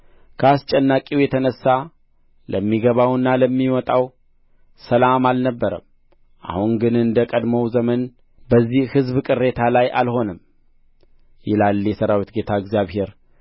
ከአስጨናቂው የተነሣ ለሚገባውና ለሚወጣው ሰላም አልነበረም አሁን ግን እንደ ቀደመው ዘመን በዚህ ሕዝብ ቅሬታ ላይ አልሆንም ይላል የሠራዊት ጌታ እግዚአብሔር